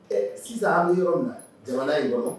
Ɛ sisan an bɛ yɔrɔ min na jamana in kɔnɔ